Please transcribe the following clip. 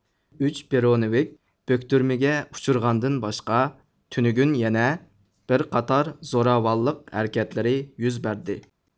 ئۈچ برونېۋىك بۆكتۈرمىگە ئۇچرىغاندىن باشقا تۈنۈگۈن يەنە بىر قاتار زوراۋانلىق ھەرىكەتلىرى يۈز بەردى